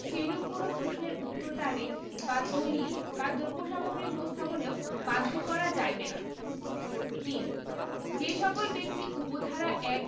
সেইরূপ কোন প্রশ্নের উত্তরদানে বা দলিল বা দ্রব্য সামগ্রী উপস্থাপনেও বাধ্য করা যাইবে না ৩ যেই সকল ব্যক্তি উপ ধারা ১